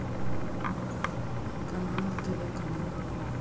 каналы тв каналы